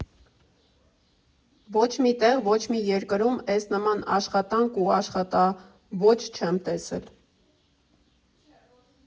Ոչ մի տեղ, ոչ մի երկրում ես նման աշխատանք ու աշխատելաոճ չեմ տեսել։